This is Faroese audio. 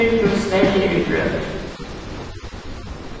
eirikur og sverri eru brøður